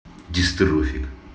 дистрофик